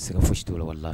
Sira fosi to la walaye.